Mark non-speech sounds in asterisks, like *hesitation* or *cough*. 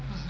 *hesitation* *hesitation*